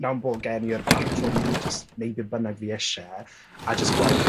nawr bo' gen i'r platfform 'ma i jyst neu' be' bynnag fi ise, a jys gweld